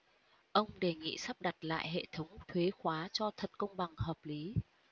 ông đề nghị sắp đặt lại hệ thống thuế khóa cho thật công bằng hợp lý